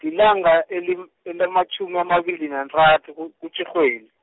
lilanga elim- elinamatjhumi amabili nantathu ku- kuTjhirhweni.